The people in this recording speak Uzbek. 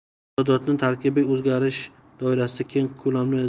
iqtisodiyotni tarkibiy o'zgartirish doirasida keng ko'lamli